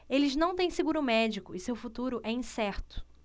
eles não têm seguro médico e seu futuro é incerto